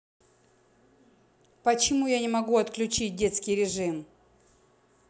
почему я не могу отключить детский режим